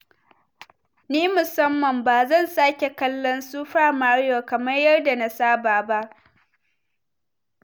Ni, Musamman, bazan sake kallon Super Mario kamar yadda na saba ba.